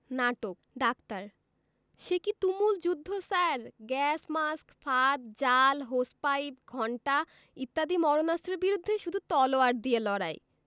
নাটক ডাক্তার সেকি তুমুল যুদ্ধ স্যার গ্যাস মাস্ক ফাঁদ জাল হোস পাইপ ঘণ্টা ইত্যাদি মারণাস্ত্রের বিরুদ্ধে শুধু তলোয়ার দিয়ে লড়াই